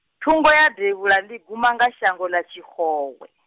thungo ya devhuḽa ḽi guma nga shango ḽa Tshixowe.